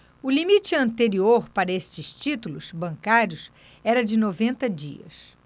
o limite anterior para estes títulos bancários era de noventa dias